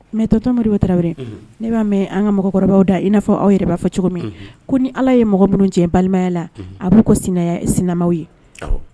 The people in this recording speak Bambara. Mais tonton Moribo Traore ne ba mɛn an ka mɔgɔkɔrɔbaw da i na fɔ aw yɛrɛ ba fɔ cogo min. No ni Ala ye mɔgɔ nunun cɛn balimaya la a bu kɛ sinamaw ye.